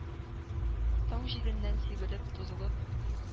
Таң җиленнән сибелеп, тузылып.